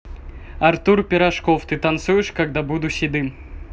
артур пирожков ты танцуешь когда буду седым